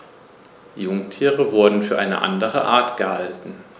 Jungtiere wurden für eine andere Art gehalten.